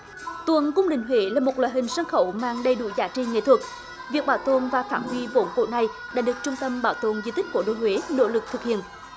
tuồng cung đình huế là một loại hình sân khấu mang đầy đủ giá trị nghệ thuật việc bảo tồn và phát huy vốn cổ này đã được trung tâm bảo tồn di tích cố đô huế nỗ lực thực hiện